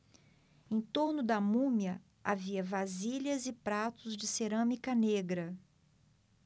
em torno da múmia havia vasilhas e pratos de cerâmica negra